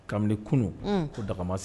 Kamalen kunun o dagamasi